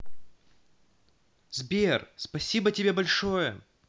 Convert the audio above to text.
сбер спасибо тебе большое